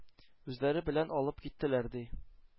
Үзләре белән алып киттеләр, ди,